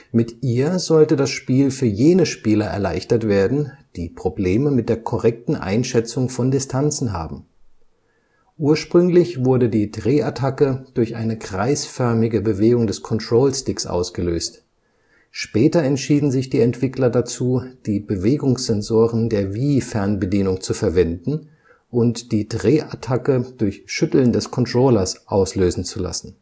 Mit ihr sollte das Spiel für jene Spieler erleichtert werden, die Probleme mit der korrekten Einschätzung von Distanzen haben. Ursprünglich wurde die Drehattacke durch eine kreisförmige Bewegung des Control Sticks ausgelöst. Später entschieden sich die Entwickler dazu, die Bewegungssensoren der Wii-Fernbedienung zu verwenden und die Drehattacke durch Schütteln des Controllers auslösen zu lassen